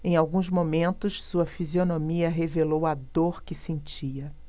em alguns momentos sua fisionomia revelou a dor que sentia